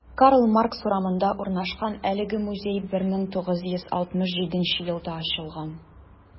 Карл Маркс урамында урнашкан әлеге музей 1967 елда ачылган.